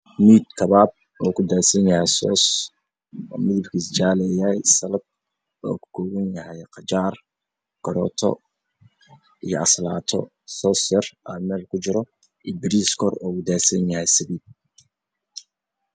Meeshaan waxaa yaala sxan madow ah ooay ku jirto qudaar kala duwan